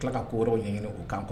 Kila ka ko yɔrɔw ɲɛ ɲini o kan